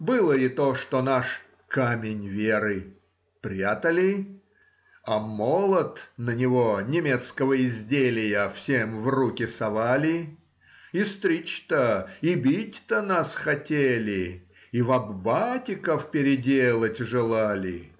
Было и то, что наш Камень веры прятали, а Молот на него немецкого изделия всем в руки совали, и стричь-то и брить-то нас хотели, и в аббатиков переделать желали.